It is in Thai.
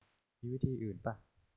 มีวิธีอื่นปะ